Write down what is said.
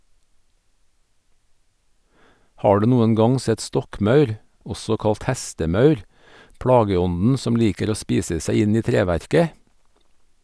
Har du noen gang sett stokkmaur, også kalt hestemaur, plageånden som liker å spise seg inn i treverket?